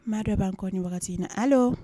Maa dɔ b' kɔn wagati in na ale